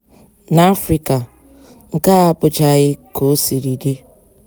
N'Afrịka, nke a abụchaghị ka o siri dị.